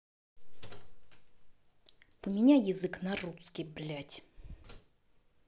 поменяй язык на русский блядь